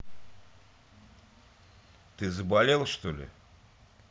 ты заболел что ли